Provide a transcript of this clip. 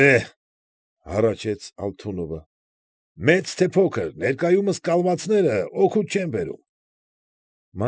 Է՛հ,֊ հառաչեց Ալթունովը,֊ մեծ թե փոքր, ներկայումս կալվածները օգուտ չեն բերում։